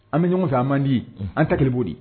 An bɛ ɲɔgɔn fɛ an man di an takibo de